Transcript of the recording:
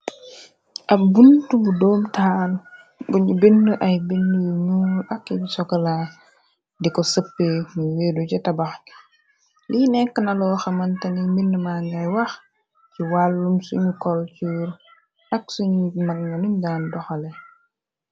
Ab buntu bu doomtaal buñu binda ay binda yu ñuul ak sokola di ko sëppe si merr bi ci tabax ga li nekka naloo xamantani mbinda ma ngay wax ci wàllum suñu koltuur ak suñu magna nuñ daan doxale.